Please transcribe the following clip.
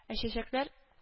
Ә чәчәкләр